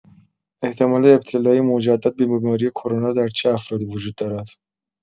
احتمال ابتلای مجدد به بیماری کرونا در چه افرادی وجود دارد؟